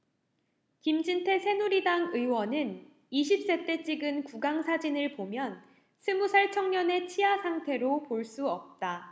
김진태 새누리당 의원은 이십 세 때 찍은 구강 사진을 보면 스무살 청년의 치아 상태로 볼 수 없다